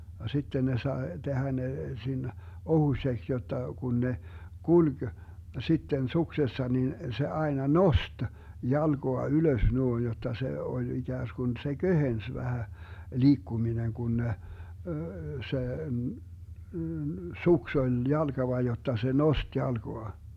ja sitten ne sai tehdä ne siinä ohuiseksi jotta kun ne kulki sitten suksessa niin se aina nosti jalkaa ylös noin jotta se oli ikään kuin se kevensi vähän liikkuminen kun ne se suksi oli jalkava jotta se nosti jalkaa